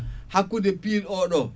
hakkude pille oɗo